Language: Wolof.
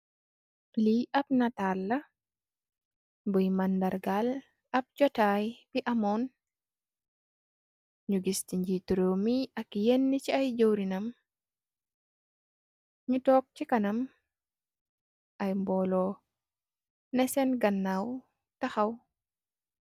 Li ap nital la buy mandara gal am jatay bu amon, ni gis ci njiti rew mi ak yeneh ci ay jawrin nam, ñi tóóg ci kanam ap mboolo neh sèèn ganaw taxaw.